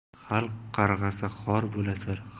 xalq qarg'asa xor bo'lasan